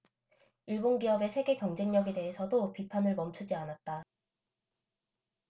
일본 기업의 세계 경쟁력에 대해서도 비판을 멈추지 않았다